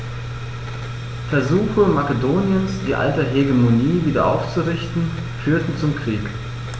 Versuche Makedoniens, die alte Hegemonie wieder aufzurichten, führten zum Krieg.